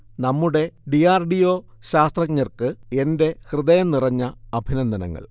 നമ്മുടെ D. R. D. O. ശാസ്ത്രജ്ഞർക്ക് എന്റെ ഹൃദയം നിറഞ്ഞ അഭിനന്ദങ്ങൾ